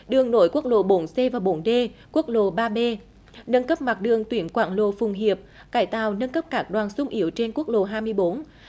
đường nối quốc lộ bốn xê và bốn đê quốc lộ ba bê nâng cấp mặt đường tuyến quảng lộ phụng hiệp cải tạo nâng cấp các đoạn xung yếu trên quốc lộ hai mươi bốn